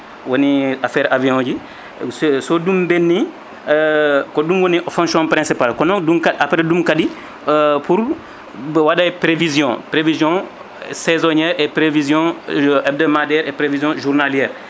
woni affaire avion :ji so ɗum ɓenni ko ɗum woni fonction principal kono ɗum kadi après kadi pour mbo waɗay prévision prévision saisonniére prévision hebdomadaire e prévision journaliére